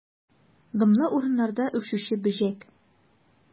Дымлы урыннарда үрчүче бөҗәк.